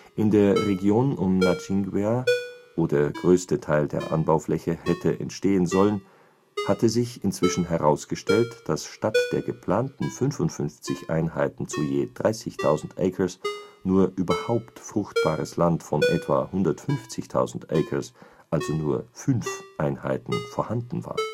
In der Region um Nachingwea, wo der größte Teil der Anbaufläche hatte entstehen sollen, hatte sich inzwischen herausgestellt, dass statt der geplanten 55 Einheiten zu je 30.000 acres nur überhaupt fruchtbares Land von etwa 150.000 acres (also nur für 5 Einheiten) vorhanden war